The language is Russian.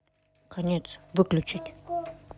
конец выключить